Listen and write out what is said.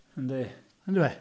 Yndi... Yn dyw e?